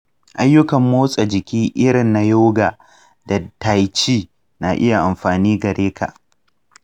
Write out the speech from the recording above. ayyukan motsa jiki irin na yoga da tai chi na iya amfani gare ka.